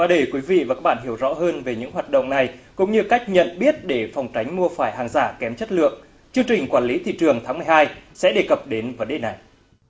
và để quý vị và các bạn hiểu rõ hơn về những hoạt động này cũng như cách nhận biết để phòng tránh mua phải hàng giả kém chất lượng chương trình quản lý thị trường tháng mười hai sẽ đề cập đến vấn đề này